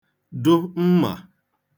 dụ mmà